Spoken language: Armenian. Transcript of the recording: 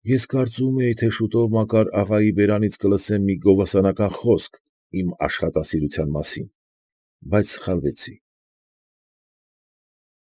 Ես կարծում էի, թե շուտով Մակար աղայի բերանից կլսեմ մի գովասանական խոսք իմ աշխատասիրության մասին, բայց սխալվեցի։